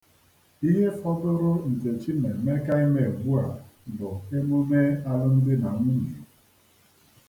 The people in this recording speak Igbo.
Ihe fọdụụrụ Nkechi na Emeka ịme ugbua bụ emume alụmdinanwunye.